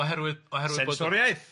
Oherwydd oherwydd bod... Sensoriaeth!